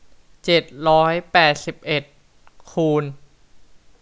เจ็ดร้อยแปดสิบเอ็ดคูณ